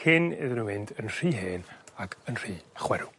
cyn iddyn n'w mynd yn rhy hen ac yn rhy chwerw.